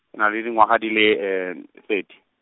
na le dingwaga di le , thirty.